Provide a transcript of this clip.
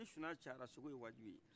sinɔgɔ cayala sinɔgɔ ye wajibi ye